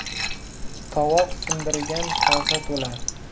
tovoq sindirgan kosa to'lar